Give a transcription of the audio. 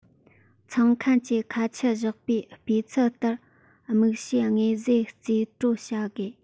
འཚོང མཁན གྱིས ཁ ཆད བཞག པའི སྤུས ཚད ལྟར དམིགས བྱའི དངོས རྫས རྩིས སྤྲོད བྱ དགོས